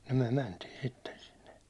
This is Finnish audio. no me mentiin sitten sinne